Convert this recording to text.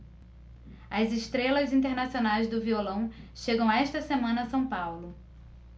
as estrelas internacionais do violão chegam esta semana a são paulo